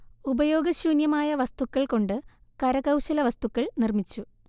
ഉപയോഗശൂന്യമായ വസ്തുക്കൾ കൊണ്ട് കരകൗശല വസ്തുക്കൾ നിർമിച്ചു